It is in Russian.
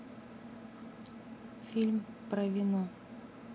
фильмы про вино